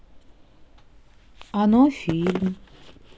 оно фильм